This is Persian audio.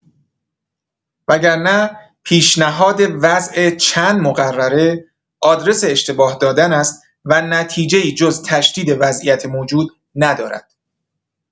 وگرنه، پیشنهاد وضع چند مقرره، آدرس اشتباه دادن است و نتیجه‌ای جز تشدید وضعیت موجود ندارد.